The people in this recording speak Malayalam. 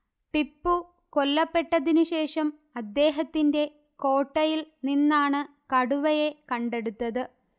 ടിപ്പൂ കൊല്ലപ്പെട്ടതിനുശേഷം അദ്ദേഹത്തിന്റെ കോട്ടയിൽ നിന്നാണ് കടുവയെ കണ്ടെടുത്തത്